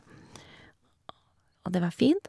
Og det var fint.